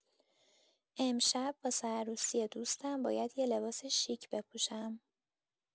امشب واسه عروسی دوستم باید یه لباس شیک بپوشم.